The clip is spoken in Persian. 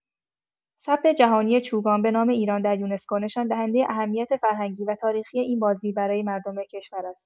ثبت جهانی چوگان به نام ایران در یونسکو نشان‌دهنده اهمیت فرهنگی و تاریخی این بازی برای مردم کشور است.